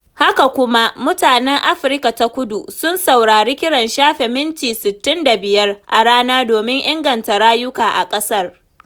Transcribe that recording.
Haka kuma, mutanen Afirka ta Kudu sun saurari kiran shafe minti 65 a rana domin inganta rayuka a ƙasar.